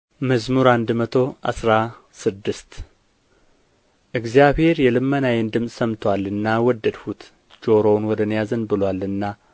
መዝሙር መቶ አስራ ስድስት እግዚአብሔር የልመናዬን ድምፅ ሰምቶአልና ወደድሁት ጆሮውን ወደ እኔ አዘንብሎአልና